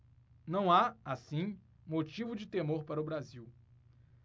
não há assim motivo de temor para o brasil